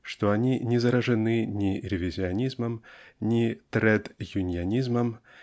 что они не заражены ни ревизионизмом ни трэдюнионизмом